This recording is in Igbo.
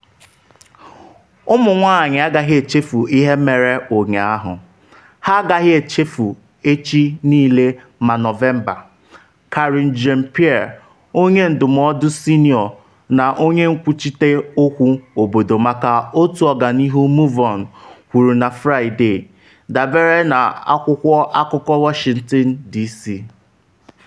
“Ụmụ-nwanyị agaghị echefu ihe mere ụnyahụ - ha agaghị echefu echi niile ma Nọvemba, “ Karine Jean-Pierre, onye ndụmọdụ senịọ na onye nkwuchite okwu obodo maka otu ọganihu MoveOn kwuru na Fraịde, dabere na akwụkwọ akụkọ Washington, D.C.